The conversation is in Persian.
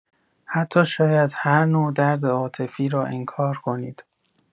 حتی شاید هر نوع درد عاطفی را انکار کنید.